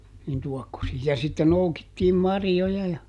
niin tuokkosiin ja sitten noukittiin marjoja ja